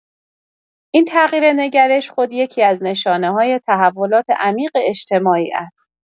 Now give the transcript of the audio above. این تغییر نگرش، خود یکی‌از نشانه‌های تحولات عمیق اجتماعی است.